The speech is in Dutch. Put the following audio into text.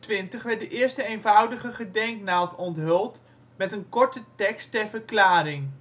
1826 werd de eerste eenvoudige gedenknaald onthuld, met een korte tekst ter verklaring